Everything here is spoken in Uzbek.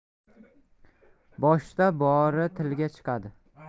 boshda bori tilga chiqadi